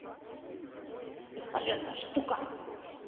бесполезная штука